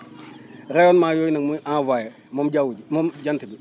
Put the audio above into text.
rayonnement yooyu nag muy envoyer moom jaww ji moom jant bi